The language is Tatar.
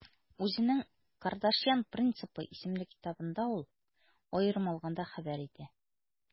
Үзенең «Кардашьян принципы» исемле китабында ул, аерым алганда, хәбәр итә: